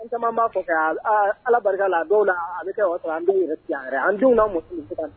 N caman'a fɔ ala barika la ale denw